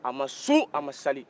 a ma sun a sali